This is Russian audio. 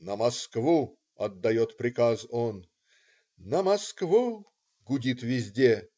"На Москву",- отдает приказ он. "На Москву",- гудит везде.